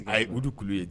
A ye udu kulu ye